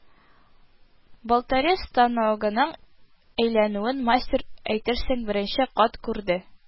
Болторез станогының әйләнүен мастер әйтерсең беренче кат күрде